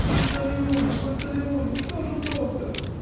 Панталеоне, Панталеоне, что же доктор?